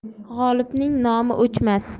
g'olibning nomi o'chmas